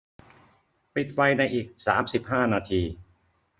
ปิดไฟในอีกสามสิบห้านาที